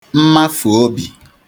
mmafụ̀ obi